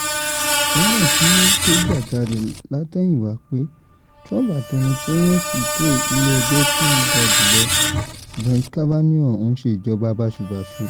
Warren ti ń ké gbàjarè látẹ̀yìnwá pé Trump àti ẹni tí ó yàn sípò ilé ẹjọ́ tí ó ga jù lọ Brett Kavanaugh ń ṣe ìjọba báṣubàṣu.